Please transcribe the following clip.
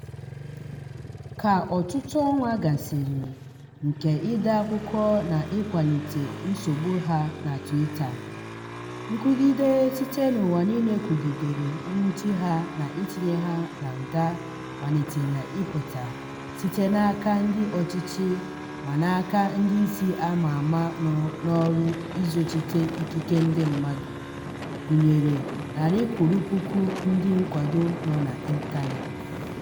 Ka ọtụtụ ọnwa gasịrị nke ide akụkọ na ịkwalite nsogbu ha na Twitter, nkwugide site n'ụwa niile kwugide nnwụchi ha na itinye ha na nga malitere ịpụta site n'aka ndị ọchịchị ma n'aka ndị isi a ma ama nọ n'ọrụ ịzọchite ikike ndị mmadụ, gụnyere narị kwụrụ puku ndị nkwado nọ n'ịntaneetị.